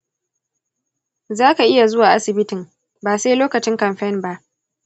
zaka iya zuwa asibitin; ba se lokacin kamfen ba.